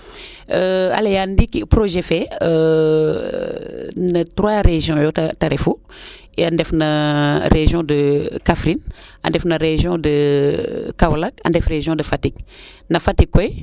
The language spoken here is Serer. a leyaan ndiiki projet fee na trois region yo te refu a ndef na region de Kaffrine a ndef na region de Kaolack a ndef region de Fatick na Fatick koy